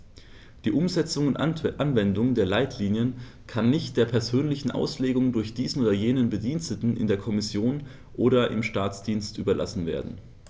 Die Umsetzung und Anwendung der Leitlinien kann nicht der persönlichen Auslegung durch diesen oder jenen Bediensteten in der Kommission oder im Staatsdienst überlassen werden.